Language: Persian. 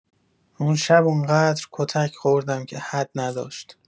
اون شب اونقدر کتک خوردم که حد نداشت.